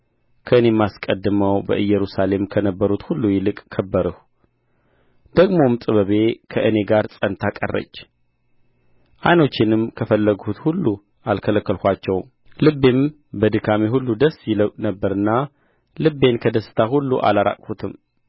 ከእኔም አስቀድመው በኢየሩሳሌም ከነበሩት ሁሉ ይልቅ ከበርሁ ደግምም ጥበቤ ከእኔ ጋር ጸንታ ቀረች ዓይኖቼንም ከፈለጉት ሁሉ አልከለከልኋቸውም ልቤም በድካሜ ሁሉ ደስ ይለው ነበርና ልቤን ከደስታ ሁሉ አላራቅሁትም